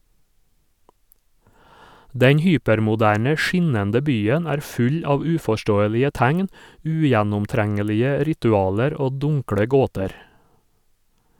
Den hypermoderne, skinnende byen er full av uforståelige tegn, ugjennomtrengelige ritualer og dunkle gåter.